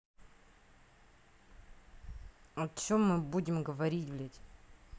о чем мы будем говорить блядь